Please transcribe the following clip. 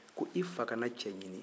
ko i fa ka na cɛ ɲinin